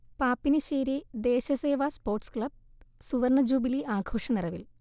Pappinisseri Desha Seva sports club സുവർണജൂബിലി ആഘോഷനിറവിൽ